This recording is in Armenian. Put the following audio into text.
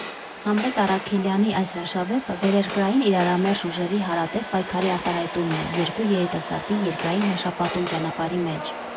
Համլետ Առաքելյանի այս հրաշավեպը վերերկրային իրարամերժ ուժերի հարատև պայքարի արտահայտումն է՝ երկու երիտասարդի երկրային հրաշապատում ճանապարհի մեջ։